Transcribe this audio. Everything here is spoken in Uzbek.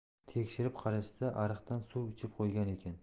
tekshirib qarashsa ariqdan suv ichib qo'ygan ekan